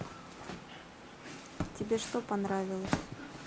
тебе что понравились